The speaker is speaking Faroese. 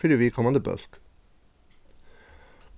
fyri viðkomandi bólk